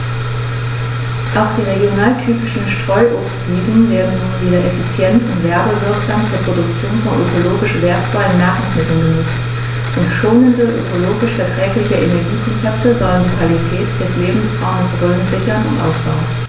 Auch die regionaltypischen Streuobstwiesen werden nun wieder effizient und werbewirksam zur Produktion von ökologisch wertvollen Nahrungsmitteln genutzt, und schonende, ökologisch verträgliche Energiekonzepte sollen die Qualität des Lebensraumes Rhön sichern und ausbauen.